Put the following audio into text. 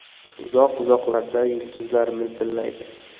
uzoq uzoqlarda yulduzlar miltillaydi